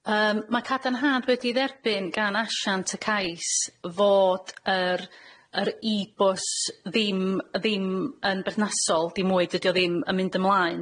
Yym ma' cadarnhad wedi ei dderbyn gan asiant y cais fod yr yr ee bws ddim ddim yn berthnasol dim mwy. Dydi o ddim yn mynd ymlaen.